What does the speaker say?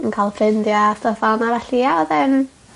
yn ca'l ffrindie a stwff fen 'na felly ie odd e'n...